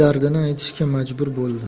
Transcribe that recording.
dardini aytishga majbur bo'ldi